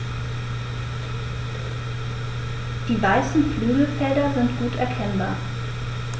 Die weißen Flügelfelder sind gut erkennbar.